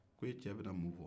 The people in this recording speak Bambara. ko e cɛ bɛna mun fɔ